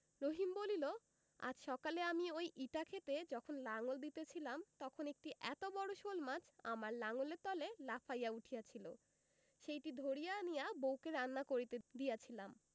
রহিম বলিল আজ সকালে আমি ঐ ইটা ক্ষেতে যখন লাঙল দিতেছিলাম তখন একটি এত বড় শোলমাছ আমার লাঙলের তলে লাফাইয়া উঠিয়াছিল সেইটি ধরিয়া আনিয়া বউকে রান্না করিতে দিয়াছিলাম